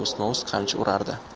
ustma ust qamchi urardi